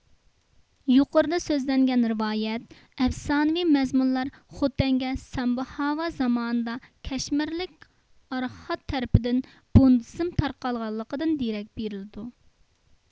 يۇقىرىدا سۆزلەنگەن رىۋايەت ئەپسانىۋى مەزمۇنلار خوتەنگە سامبھاۋا زامانىدا كەشمىرلىك ئارخات تەرىپىدىن بۇددىزم تارقالغانلىقىدىن دېرەك بېرىدۇ